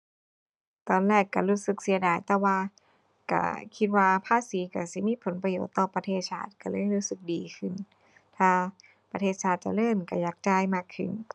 ตอนแรกก็รู้สึกเสียดายแต่ว่า ก็คิดว่าภาษีก็สิมีผลประโยชน์ต่อประเทศชาติก็เลยรู้สึกดีขึ้น ถ้าประเทศชาติเจริญก็อยากจ่ายมากขึ้น